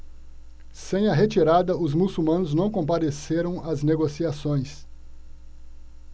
sem a retirada os muçulmanos não compareceram às negociações